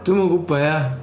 Dwi'm yn gwybod ie.